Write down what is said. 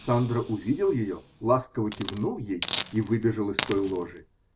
Сандро увидел ее, ласково кивнул ей и выбежал из той ложи.